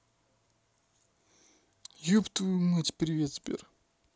еб твою мать привет сбер